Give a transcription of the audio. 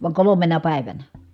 vaan kolmena päivänä